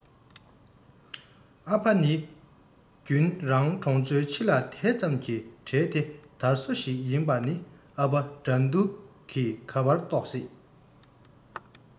ཨ ཕ ནི རྒྱུན རང གྲོང ཚོ ཕྱི ལ དེ ཙམ གྱི འབྲེལ དེ དར སོ ཞིག ཡིན པ ནི ཨ ཕ དགྲ འདུལ གི ག པར རྟོག སྲིད